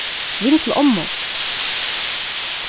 ring til ommu